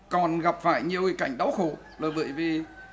còn gặp phải nhiều nghịch cảnh đau khổ là bởi vì